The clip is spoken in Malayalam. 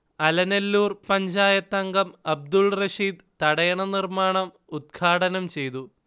അലനല്ലൂർ പഞ്ചായത്തംഗം അബ്ദുൾറഷീദ് തടയണ നിർമാണം ഉദ്ഘാടനംചെയ്തു